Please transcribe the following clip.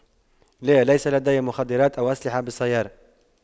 لا ليس لدي مخدرات أو أسلحة بالسيارة